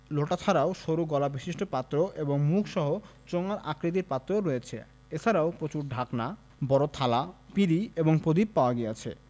লোটা ছাড়াও সরু গলা বিশিষ্ট পাত্র এবং মুখসহ চোঙার আকৃতির পাত্রও রয়েছে এছাড়া প্রচুর ঢাকনা বড় থালা পিঁড়ি এবং প্রদীপ পাওয়া গিয়েছে